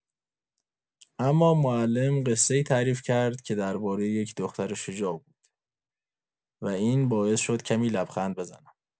اما معلم قصه‌ای تعریف کرد که درباره یک دختر شجاع بود و این باعث شد کمی لبخند بزنم.